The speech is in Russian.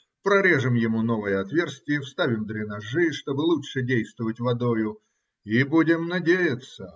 прорежем ему новое отверстие, вставим дренажи, чтобы лучше действовать водою, и будем надеяться.